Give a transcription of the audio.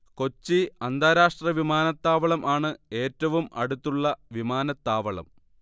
കൊച്ചി അന്താരാഷ്ട്ര വിമാനത്താവളം ആണ് ഏറ്റവും അടുത്തുള്ള വിമാനത്താവളം